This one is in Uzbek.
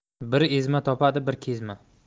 bir ezma topadi bir kezma